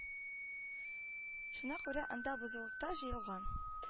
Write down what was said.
Шуңа күрә анда бозылыкта җыелган